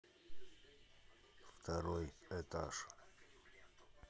второй этаж